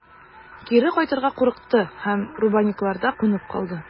Кире кайтырга курыкты һәм Рубанюкларда кунып калды.